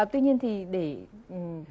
tuy nhiên thì để